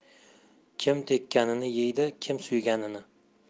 kim tekkanini yeydi kim suyganini